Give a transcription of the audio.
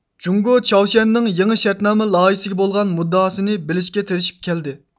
جۇڭگو چاۋشيەننىڭ يېڭى شەرتنامە لايىھىسىگە بولغان مۇددىئاسىنى بىلىشكە تىرىشىپ كەلدى